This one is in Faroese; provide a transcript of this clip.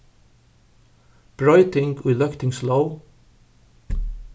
broyting í løgtingslóg